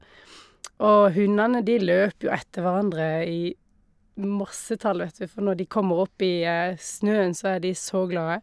Og hundene, de løp jo etter hverandre i massetall, vet du, for når de kommer opp i snøen, så er de så glade.